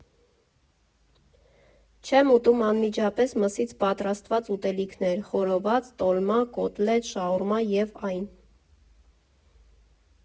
Չեմ ուտում անմիջապես մսից պատրաստված ուտելիքներ՝ խորոված, տոլմա, կոտլետ, շաուրմա և այն։